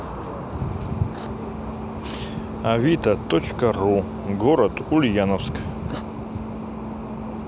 авито точка ру город ульяновск